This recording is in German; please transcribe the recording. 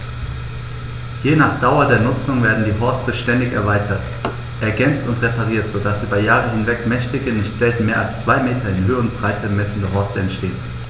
Je nach Dauer der Nutzung werden die Horste ständig erweitert, ergänzt und repariert, so dass über Jahre hinweg mächtige, nicht selten mehr als zwei Meter in Höhe und Breite messende Horste entstehen.